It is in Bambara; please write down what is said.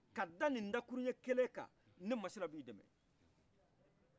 ka da ni dakuruɲɛkelen kan ne masila i dɛmɛ